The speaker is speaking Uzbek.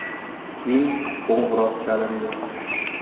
keyin qo'ng'iroq chalindi